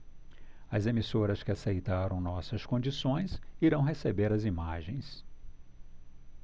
as emissoras que aceitaram nossas condições irão receber as imagens